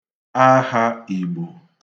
ahā Ìgbò